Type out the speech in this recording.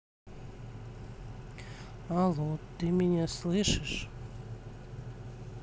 алло ты меня слышишь